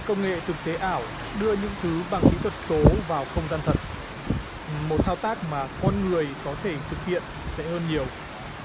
công nghệ thực tế ảo đưa những thứ bằng kỹ thuật số vào không gian thật một thao tác mà con người có thể thực hiện dễ hơn nhiều